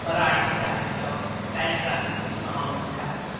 Ma' raid i ti... mm. ...cael hi so bendant bydd... ma' hon yn werth cael.